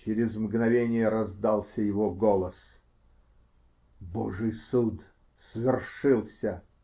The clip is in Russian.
Через мгновение раздался его голос: -- Божий суд свершился.